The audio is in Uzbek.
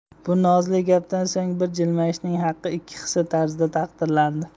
bu nozli gapdan so'ng bir jilmayishning haqqi ikki hissa tarzida taqdirlandi